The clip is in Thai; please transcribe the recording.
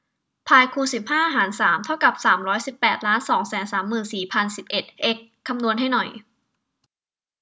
พายคูณสิบห้าหารสามเท่ากับสามร้อยสิบแปดล้านสองแสนสามหมื่นสี่พันสิบเอ็ดเอ็กซ์คำนวณให้หน่อย